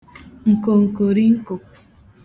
ǹkòǹkòrinkō